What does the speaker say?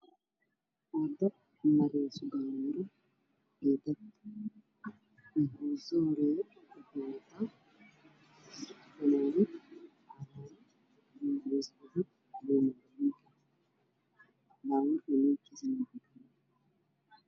Nimanka buundada marayo ninka ku soo horreeyo waxaa ugu taa fanaanad joollo ah iyo sarway cadaan ah